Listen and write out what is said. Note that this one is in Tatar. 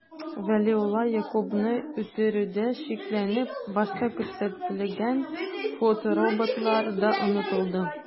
Вәлиулла Ягъкубны үтерүдә шикләнеп, башта күрсәтелгән фотороботлар да онытылды...